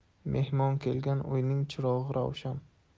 mehmon kelgan uyning chirog'i ravshan